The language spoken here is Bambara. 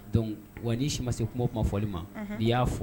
Don wa ni si ma se kungo kuma fɔli ma i y'a fɔ